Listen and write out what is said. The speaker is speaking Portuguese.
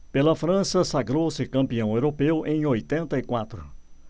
pela frança sagrou-se campeão europeu em oitenta e quatro